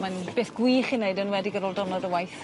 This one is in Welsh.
Ma'n beth gwych i neud enwedig ar ôl d'yrnod o waith.